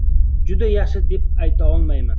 juda yaxshi deb aytolmayman